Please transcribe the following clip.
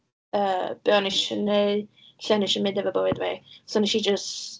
Yy be o'n i isio wneud, lle o'n i eisiau mynd efo bywyd fi. So wnes i jyst...